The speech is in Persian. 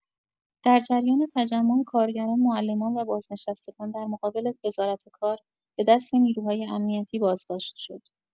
در جریان تجمع کارگران، معلمان و بازنشستگان در مقابل وزارت کار، به دست نیروهای امنیتی بازداشت شد.